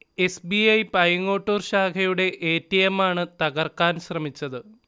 S. B. I. Paingottoor ശാഖയുടെ A. T. എമ്മാണ് തകർക്കാൻ ശ്രമിച്ചത്